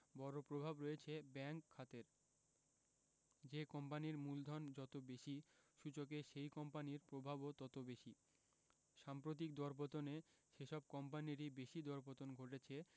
বড় প্রভাব রয়েছে ব্যাংক খাতের যে কোম্পানির মূলধন যত বেশি সূচকে সেই কোম্পানির প্রভাবও তত বেশি সাম্প্রতিক দরপতনে সেসব কোম্পানিরই বেশি দরপতন ঘটেছে